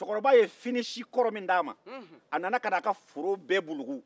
cɛkɔrɔba ye finisi kɔrɔ min d'a ma a nana ka na ka foro bɛ bulugu